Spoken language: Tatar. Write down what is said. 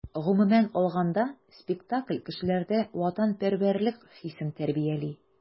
Гомумән алганда, спектакль кешеләрдә ватанпәрвәрлек хисен тәрбияли.